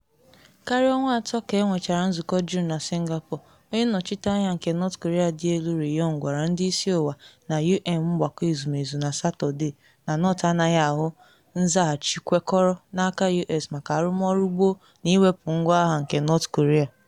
Karịa ọnwa atọ ka enwechara nzụkọ Juun na Singapore, onye nnọchite anya nke North Korea dị elu Ri Yong gwara ndị isi ụwa na U.N. Mgbakọ Ezumezu na Satọde na North anaghị ahụ “nzaghachi kwekọrọ” n’aka U.S. maka arụmọrụ gboo na iwepu ngwa agha nke North Korea.